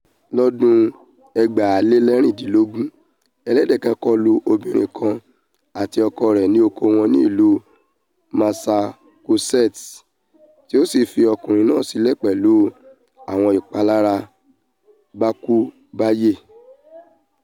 Lọ́dún 2016, ẹlẹ́dẹ̀ kan kọlu obìnrin kan àti ọkọ rẹ̀ ní oko wọn ní ìlú Massachusetts, tí ò sì fi ọkùnrin náà sílẹ pẹ̀lú àwọn ìpalára báákú-bááyè.